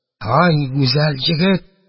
Һай, гүзәл егет!